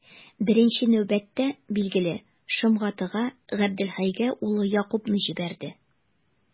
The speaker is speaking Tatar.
Беренче нәүбәттә, билгеле, Шомгатыга, Габделхәйгә улы Якубны җибәрде.